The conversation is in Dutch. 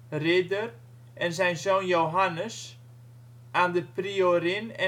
ridder, en zijn zoon Johannes, aan de priorin